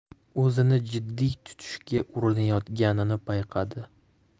o'zini jiddiy tutishga urinayotganini payqadi